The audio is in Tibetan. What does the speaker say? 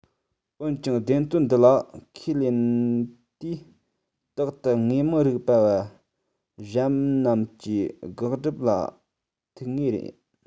འོན ཀྱང བདེན དོན འདི ལ ཁས ལེན དུས རྟག ཏུ དངོས མང རིག པ བ གཞན རྣམས ཀྱིས དགག སྒྲུབ ལ ཐུག ངེས ཡིན